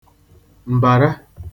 m̀bàra